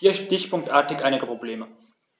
Hier stichpunktartig einige Probleme: